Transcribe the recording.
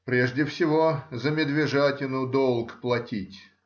— Прежде всего за медвежатину долг платить.